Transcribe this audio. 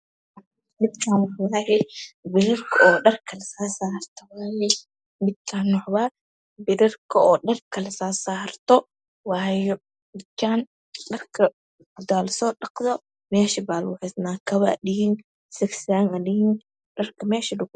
Mashan waxaa yalo birarka dharka lasaro